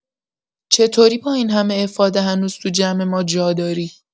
چطوری با این همه افاده هنوز تو جمع ما جاداری؟